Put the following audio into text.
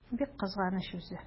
Бик кызганыч үзе!